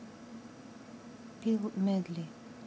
билл медли